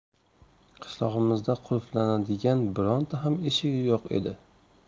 qishlog'imizda qulflanadigan bironta ham eshik yo'q edi